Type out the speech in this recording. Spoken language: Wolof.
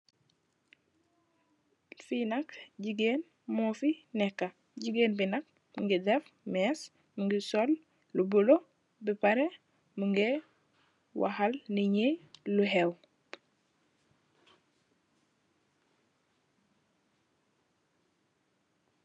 Fee nak jegain muge neka jegain be nak muge def mess muge sol lu bulo ba pareh muge wahal neet nye luhew.